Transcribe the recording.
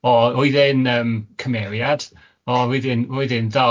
O oedd e'n cymeriad, o oedd e'n roedd e'n dda.